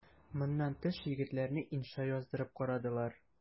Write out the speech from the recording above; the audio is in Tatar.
Моннан тыш егетләрне инша яздырып карадылар.